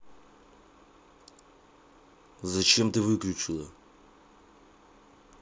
зачем ты выключила